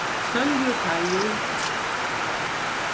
sóljuteigur